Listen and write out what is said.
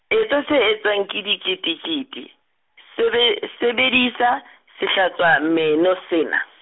etsa se etswang ke diketekete, sebe, sebedisa, sehlatswameno sena.